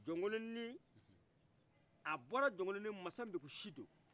jɔnkolonnin a bɔra jɔnkolonninmasadugusido